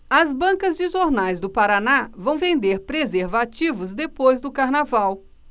as bancas de jornais do paraná vão vender preservativos depois do carnaval